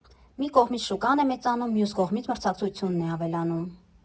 Մի կողմից՝ շուկան է մեծանում, մյուս կողմից՝ մրցակցությունն է ավելանում։